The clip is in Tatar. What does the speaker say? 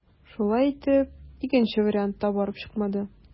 Шулай итеп, икенче вариант та барып чыкмады.